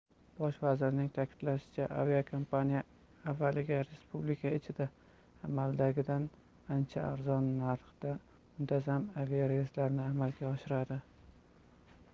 bosh vazirning ta'kidlashicha aviakompaniya avvaliga respublika ichida amaldagidan ancha arzon narxda muntazam aviareyslarni amalga oshiradi